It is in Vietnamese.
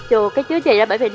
trừ cái chứa chì ra bởi ví